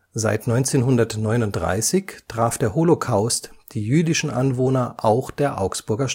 Seit 1939 traf der Holocaust die jüdischen Anwohner auch der Augsburger